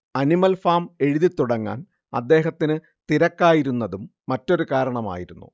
animal Farm എഴുതിത്തുടങ്ങാൻ അദ്ദേഹത്തിന് തിരക്കായിരുന്നതും മറ്റൊരു കാരണമായിരുന്നു